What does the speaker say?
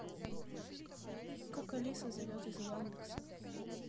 как алиса зовет из яндекса